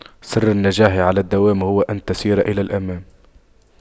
سر النجاح على الدوام هو أن تسير إلى الأمام